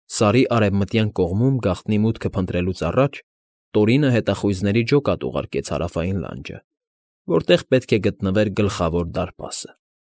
Սարի արևմտյան կողմում գաղտնի մուտքը փնտրելուց առաջ Տորինը հետախույզների ջոկատ ուղարկեց հարավային լանջը, որտեղ պետք է գտնվեր Գլխավոր դարպասը։